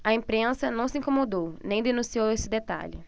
a imprensa não se incomodou nem denunciou esse detalhe